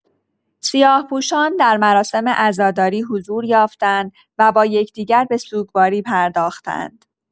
سیاه‌پوشان در مراسم عزاداری حضور یافتند و با یکدیگر به سوگواری پرداختند.